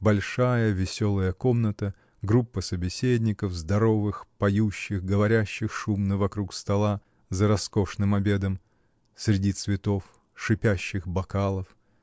Большая, веселая комната, группа собеседников, здоровых, поющих, говорящих шумно вокруг стола, за роскошным обедом, среди цветов, шипящих бокалов.